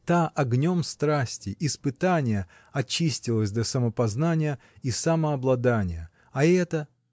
Та огнем страсти, испытания очистилась до самопознания и самообладания, а эта.